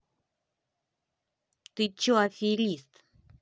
ты че аферист